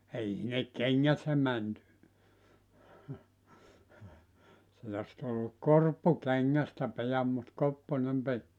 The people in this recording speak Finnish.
ei sinne kengät ne meni sitten olisi tullut korppu kengästä pian mutta kopponen piti